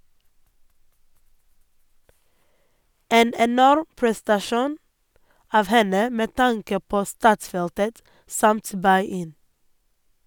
En enorm prestasjon av henne med tanke på startfeltet samt buy in.